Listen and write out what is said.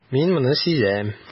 Мин моны сизәм.